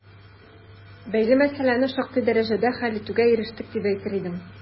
Бәйле мәсьәләне шактый дәрәҗәдә хәл итүгә ирештек, дип әйтер идем.